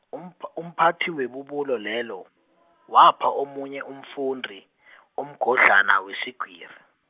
umph- umphathi webubulo lelo, wapha omunye umfundi , umgodlana weswigiri.